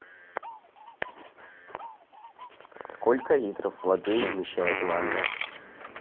сколько литров воды вмещает ванна